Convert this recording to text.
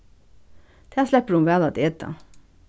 tað sleppur hon væl at eta